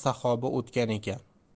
saxoba o'tgan ekan